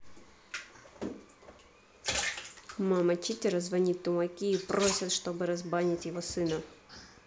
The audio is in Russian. мама читера звонит тумаки и просят чтобы разбанить его сына